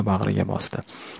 bag'riga bosdi